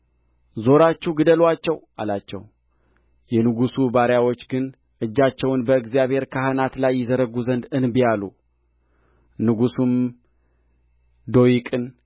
ዞራችሁ ግደሉአቸው አላቸው የንጉሡ ባሪያዎች ግን እጃቸውን በእግዚአብሔር ካህናት ላይ ይዘረጉ ዘንድ እንቢ አሉ ንጉሡም ዶይቅን